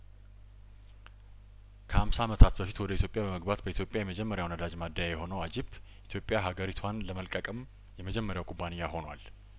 ከሀምሳ አመታት በፊት ወደ ኢትዮጵያ በመግባት በኢትዮጵያ የመጀመሪያው የነዳጅ ማደያ የሆነው አጂፕ ኢትዮጵያ ሀገሪቷን ለመልቀቅም የመጀመሪያው ኩባንያ ሆኗል